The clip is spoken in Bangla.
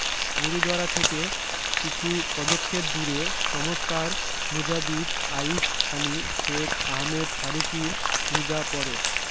গুরুদ্বারা থেকে কিছু পদক্ষেপ দূরে চমতকার মুজাদিদ আইফ সানি সেখ আহমেদ ফারুকির রুজা পড়ে